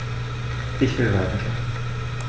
Ich will weiterschlafen.